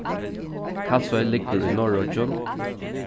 kalsoy liggur í norðuroyggjum